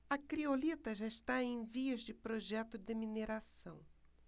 a criolita já está em vias de projeto de mineração